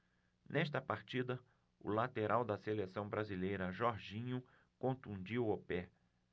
nesta partida o lateral da seleção brasileira jorginho contundiu o pé